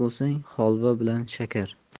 bo'lsang holva bilan shakar